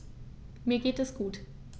Mir geht es gut.